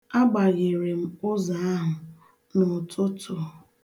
Agbaghere m ụzọ ahụ n'ụtụtụ.